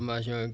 waaw waaw